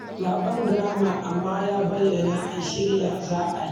Zaben Graham, amma, ya bayyana an shirya za a yi.